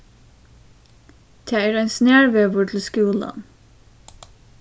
tað er ein snarvegur til skúlan